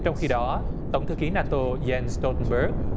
trong khi đó tổng thư ký na tô gien tôm pớt